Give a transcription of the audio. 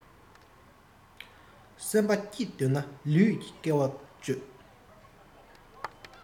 སེམས སྐྱིད འདོད ན ལུས ཀྱི དཀའ བ སྤྱོད